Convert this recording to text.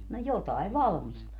no jotakin valmistivat